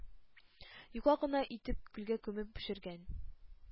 Юка гына итеп көлгә күмеп пешергән